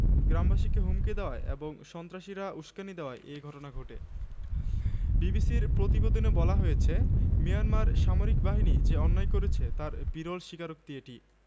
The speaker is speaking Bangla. তাদের মানবাধিকার লঙ্ঘনের কথা শুনতে পাঁচ দিনের সফরে আগামী ১৮ জানুয়ারি বাংলাদেশে আসছেন গত ২৫ আগস্ট মিয়ানমার সামরিক বাহিনী রাখাইন রাজ্যে নতুন মাত্রায় গণহত্যা শুরুর পর